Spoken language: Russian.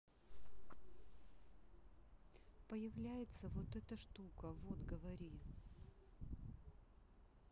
появляется вот эта штука вот говори